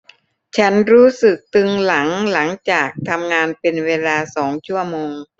ฉันรู้สึกตึงหลังหลังจากทำงานเป็นเวลาสองชั่วโมง